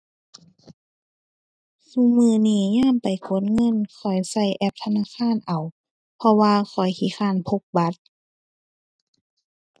ซุมื้อนี้ยามไปกดเงินข้อยใช้แอปธนาคารเอา เพราะว่าข้อยขี้คร้านพกบัตร